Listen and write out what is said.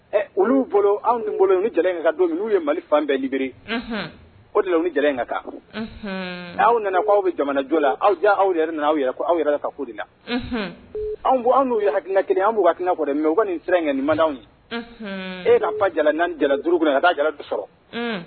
Olu bolo in ka don min n'u ye mali fan bɛɛ lib o de jala in ka kan' nana' aw bɛ jamanaj la aw ja aw yɛrɛ aw aw yɛrɛ ka foli la anw'u ye haina kelen an bɛina kɔrɔ mɛ u ka nin siran kɛanimaw ye e ka fa jalala n jala duuru kɔnɔ a'a jala du sɔrɔ